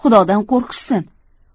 xudodan qo'rqishsin